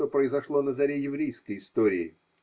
что произошло на заре еврейской истории.